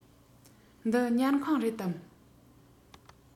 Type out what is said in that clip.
འདི ཉལ ཁང རེད དམ